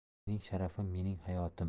mening sharafim mening hayotim